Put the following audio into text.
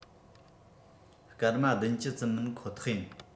སྐར མ ༧༠ ཙམ མིན ཁོ ཐག ཡིན